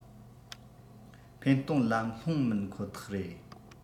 འཕེན གཏོང ལམ ལྷོངས མིན ཁོ ཐག རེད